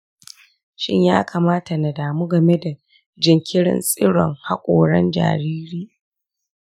shin ya kamata na damu game da jinkirin tsiron haƙoran jariri?